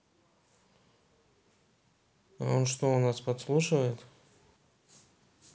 а он что у нас подслушивает